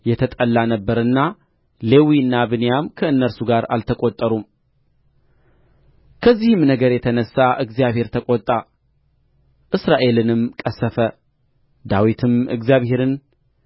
የተጠላ ነበርና ሌዊና ብንያም ከእነርሱ ጋር አልተቈጠሩም ከዚህም ነገር የተነሣ እግዚአብሔር ተቈጣ እስራኤልንም ቀሠፈ ዳዊትም እግዚአብሔርን